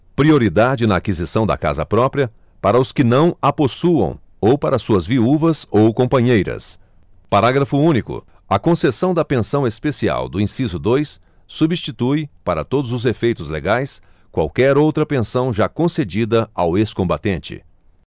prioridade na aquisição da casa própria para os que não a possuam ou para suas viúvas ou companheiras parágrafo único a concessão da pensão especial do inciso dois substitui para todos os efeitos legais qualquer outra pensão já concedida ao ex combatente